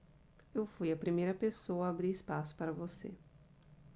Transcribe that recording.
eu fui a primeira pessoa a abrir espaço para você